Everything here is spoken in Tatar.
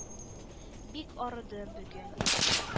“бик арыдым бүген.